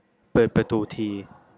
เปิดประตูที